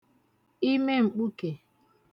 ime m̄kpūkè